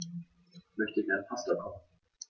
Ich möchte gerne Pasta kochen.